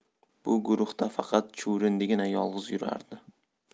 bu guruhda faqat chuvrindigina yolg'iz yurardi